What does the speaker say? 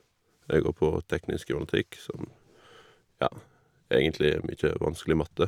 Jeg går på teknisk kybernetikk, som, ja, egentlig er mye vanskelig matte.